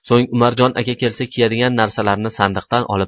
so'ng umarjon aka kelsa kiyadigan narsalarni sandiqdan olib